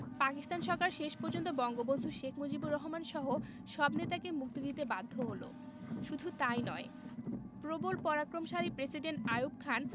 পাকিস্তান সরকার শেষ পর্যন্ত বঙ্গবন্ধু শেখ মুজিবর রহমান সহ সব নেতাকে মুক্তি দিতে বাধ্য হলো শুধু তাই নয় প্রবল পরাক্রমশালী প্রেসিডেন্ট আইয়ুব খান